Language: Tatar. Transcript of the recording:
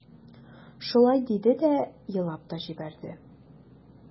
Шулай диде дә елап та җибәрде.